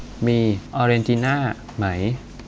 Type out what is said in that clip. มีออเรนจิน่าไหม